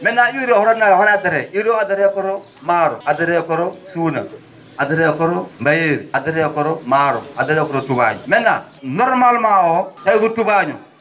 maintenant UREE oto endata oto addete UREE o addetee koto maaro addetee koto suuna addetee koto mbayeeri addetee koto maaro addetee koto tubaañoo maintenant normalement o tawii ko tubaañoo